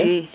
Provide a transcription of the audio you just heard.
i